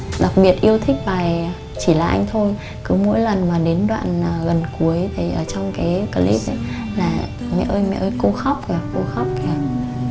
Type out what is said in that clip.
đặc biệt yêu thích bài chỉ là anh thôi cứ mỗi lần mà đến đoạn gần cuối thấy ở trong cái cờ líp là mẹ ơi mẹ ơi cô khóc kìa cô khóc kìa